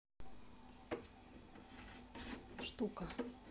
штука